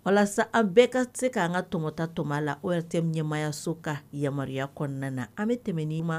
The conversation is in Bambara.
Walasa an bɛɛ ka se ka an ka tɔmɔta tɔmɔ la O R T M ɲɛmayaso ka yamaruya kɔnɔna na an bɛ tɛmɛ ni ma